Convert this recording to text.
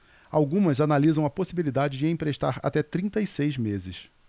algumas analisam a possibilidade de emprestar até trinta e seis meses